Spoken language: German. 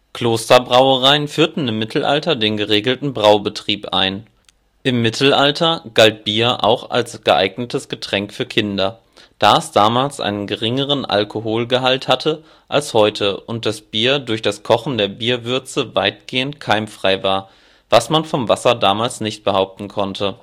Klosterbrauereien führten im Mittelalter den geregelten Braubetrieb ein. Im Mittelalter galt Bier auch als geeignetes Getränk für Kinder, da es damals einen geringeren Alkoholgehalt hatte als heute und das Bier durch das Kochen der Bierwürze weitgehend keimfrei war, was man vom Wasser damals nicht behaupten konnte